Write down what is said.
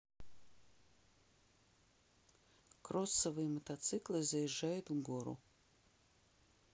кроссовые мотоциклы заезжают в гору